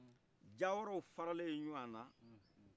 diawaraw faralen ɲɔgɔna